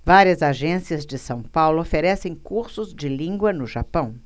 várias agências de são paulo oferecem cursos de língua no japão